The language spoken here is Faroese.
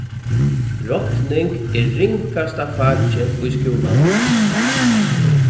rokning er ringasta fakið í skúlanum